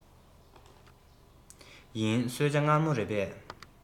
ཡིན གསོལ ཇ མངར མོ རེད པས